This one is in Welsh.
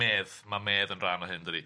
Medd, ma' medd yn rhan o hyn dydi?